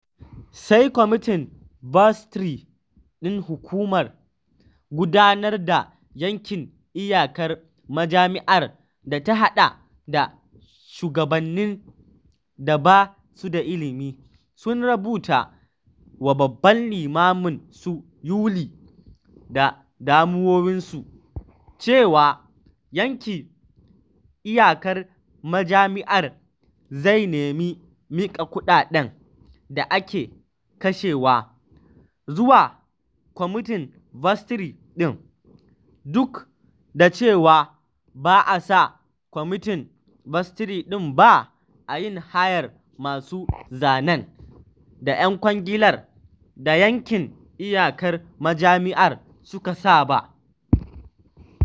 Sai kwamitin vestry ɗin - hukumar gudanar da yankin iyakar majami’ar, da ta haɗa da shugabanni da ba su da ilimi - sun rubuta wa babban limamin a Yuli da damuwowinsu cewa yankin iyakar majami’ar “zai nemi mika kuɗaɗen da aka kashe” zuwa kwamitin vestry ɗin, duk da cewa ba a sa kwamitin vestry ɗin ba a yin hayar masu zanen da ‘yan kwangilar da yankin iyakar majami’ar suka sa ba.